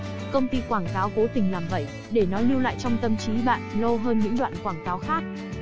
công ty quảng cáo cố tình làm vậy để nó lưu lại trong tâm trí bạn lâu hơn những đoạn quảng cáo khác